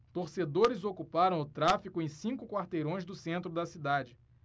torcedores ocuparam o tráfego em cinco quarteirões do centro da cidade